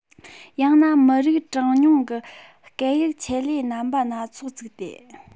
ཡང ན མི རིགས གྲངས ཉུང གི སྐད ཡིག ཆེད ལས རྣམ པ སྣ ཚོགས བཙུགས ཏེ